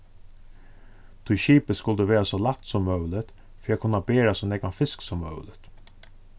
tí skipið skuldi vera so lætt sum møguligt fyri at kunna bera so nógvan fisk sum møguligt